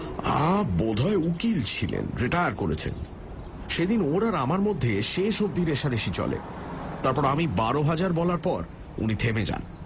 বোধহয় উকিল ছিলেন রিটায়ার করেছেন সেদিন ওর আর আমার মধ্যে শেষ অবধি রেষারেষি চলে তারপর আমি বারো হাজার বলার পর উনি থেমে যান